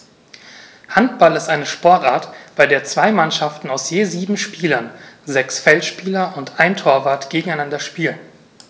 Handball ist eine Sportart, bei der zwei Mannschaften aus je sieben Spielern (sechs Feldspieler und ein Torwart) gegeneinander spielen.